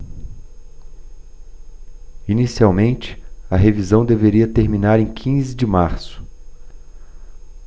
inicialmente a revisão deveria terminar em quinze de março